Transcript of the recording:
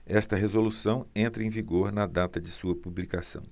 esta resolução entra em vigor na data de sua publicação